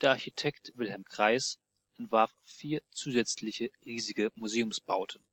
Architekt Wilhelm Kreis entwarf vier zusätzliche riesige Museumsbauten